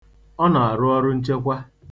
Ọ na-arụ ọrụ nchekwa.